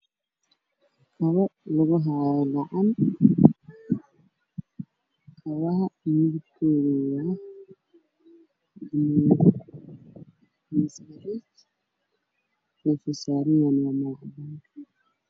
Dhalo lagu hayo gacan dhalada midabkeedu waa madow ninka daawanayo wuxuu uqabaa qabiis gedo